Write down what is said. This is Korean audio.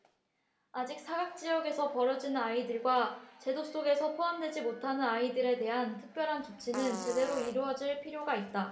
아직 사각지역에서 버려지는 아이들과 제도 속에 포함되지 못하는 아이들에 대한 특별한 조치는 제대로 이루어질 필요가 있다